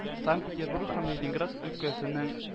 Санкт-Петербург һәм Ленинград өлкәсенең